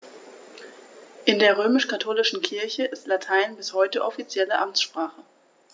In der römisch-katholischen Kirche ist Latein bis heute offizielle Amtssprache.